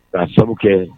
Ka sababu kɛ